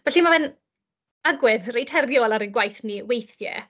Felly ma' fe'n agwedd reit heriol ar ein gwaith ni weithie.